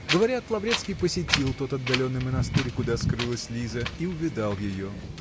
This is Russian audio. Говорят, Лаврецкий посетил тот отдаленный монастырь, куда скрылась Лиза, -- увидел ее.